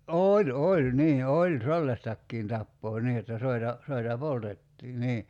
oli oli niin oli sellaistakin tapaa niin jotta soita soita poltettiin niin